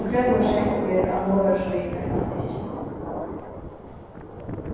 um gróðursett verður á norðursíðuni á stykkinum